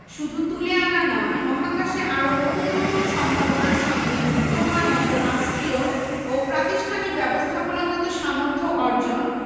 শুধু তুলে আনা নয় মহাকাশে আরও নতুন নতুন সম্ভাবনার সঙ্গে যুক্ত হওয়ার মতো রাষ্ট্রীয় ও প্রাতিষ্ঠানিক ব্যবস্থাপনাগত সামর্থ্য অর্জন